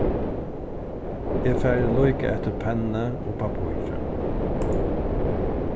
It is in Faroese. eg fari líka eftir penni og pappíri